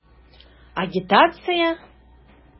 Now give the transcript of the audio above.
Агитация?!